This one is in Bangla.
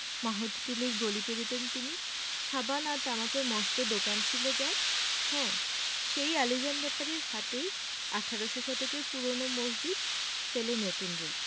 শব্দ মাহুতটুলির গলি পেরুতেন তিনি সাবান আর তামাকের মস্ত দোকান ছিল যার হ্যাঁ সেই আলীজান ব্যাপারীর হাতেই আঠারোশ শতকের পুরোনো মসজিদ পেলো নতুন রুপ